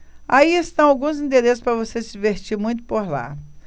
aí estão alguns endereços para você se divertir muito por lá